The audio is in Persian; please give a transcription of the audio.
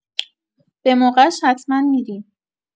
به موقعش حتما می‌ریم.